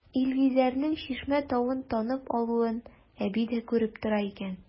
Илгизәрнең Чишмә тавын танып алуын әби дә күреп тора икән.